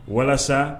Walasa